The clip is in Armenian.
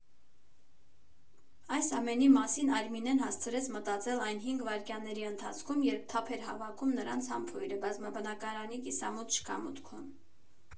Այս ամենի մասին Արմինեն հասցրեց մտածել այն հինգ վայրկյանների ընթացքում, երբ թափ էր հավաքում նրանց համբույրը՝ բազմաբնակարանի կիսամութ շքամուտքում։